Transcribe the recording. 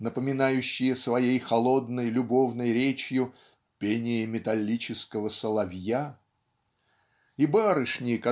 напоминающие своей холодной любовной речью "пение металлического соловья" и барышни